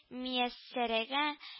Мияссәрәгә